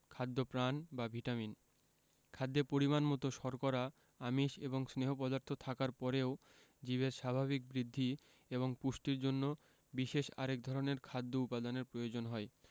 খাদ্যপ্রাণ বা ভিটামিন খাদ্যে পরিমাণমতো শর্করা আমিষ এবং স্নেহ পদার্থ থাকার পরেও জীবের স্বাভাবিক বৃদ্ধি এবং পুষ্টির জন্য বিশেষ আরেক ধরনের খাদ্য উপাদানের প্রয়োজন হয়